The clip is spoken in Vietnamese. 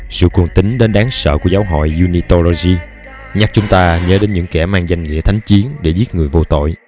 sự cuồng tín đến đáng sợ của giáo hội unitology nhắc chúng ta nhớ đến những kẻ mang danh nghĩa thánh chiến để giết người vô tội